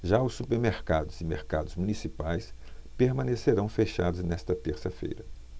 já os supermercados e mercados municipais permanecerão fechados nesta terça-feira